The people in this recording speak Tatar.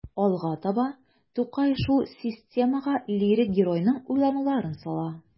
Алга таба Тукай шул системага лирик геройның уйлануларын сала.